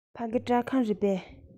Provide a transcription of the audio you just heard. ཕ གི སྐྲ ཁང རེད པས